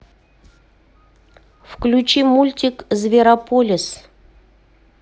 включи мультик зверополис